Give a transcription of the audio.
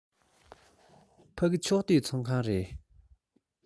ཕ གི ཕྱོགས བསྡུས ཚོགས ཁང རེད